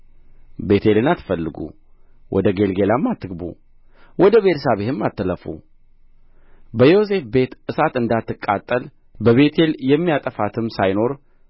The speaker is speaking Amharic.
ቤቴልን አትፈልጉ ወደ ጌልገላም አትግቡ ወደ ቤርሳቤህም አትለፉ በዮሴፍ ቤት እሳት እንዳትቃጠል በቤቴል የሚያጠፋትም ሳይኖር